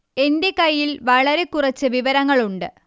എന്റെ കയ്യിൽ വളരെ കുറച്ച് വിവരങ്ങളുണ്ട്